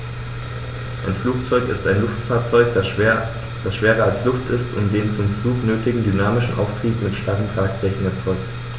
Ein Flugzeug ist ein Luftfahrzeug, das schwerer als Luft ist und den zum Flug nötigen dynamischen Auftrieb mit starren Tragflächen erzeugt.